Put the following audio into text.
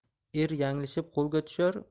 er yanglishib qo'lga tushar